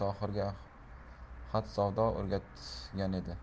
paytlarida tohirga xatsavod o'rgatgan edi